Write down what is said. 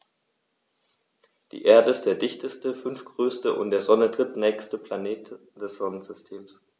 Die Erde ist der dichteste, fünftgrößte und der Sonne drittnächste Planet des Sonnensystems.